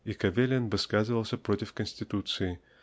и Кавелин высказывался против конституции